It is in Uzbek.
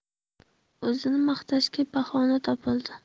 o'zini maqtashga bahona topildi